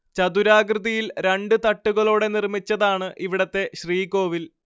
ചതുരാകൃതിയിൽ രണ്ട് തട്ടുകളോടെ നിർമ്മിച്ചതാണ് ഇവിടത്തെ ശ്രീകോവിൽ